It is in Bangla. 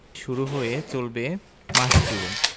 শুরু হয়ে চলবে মাস জুড়ে